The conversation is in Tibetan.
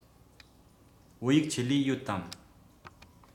བོད ཡིག ཆེད ལས ཡོད དམ